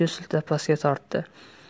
siltab pastga tortdi